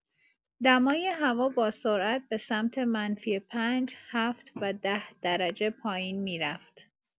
دمای هوا با سرعت به‌سمت منفی پنج، هفت و ده درجه پایین می‌رفت.